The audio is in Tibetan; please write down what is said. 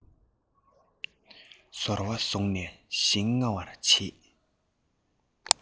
ཟོར བ བཟུང ནས ཞིང རྔ བར བྱེད